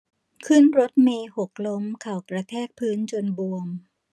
ขึ้นรถเมล์หกล้มเข่ากระแทกพื้นจนบวม